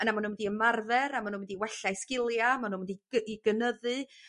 yna ma' nw mynd i ymarfer a ma' nw'n mynd i wella'i sgiliau ma' nw'n mynd i gy- i gynyddu.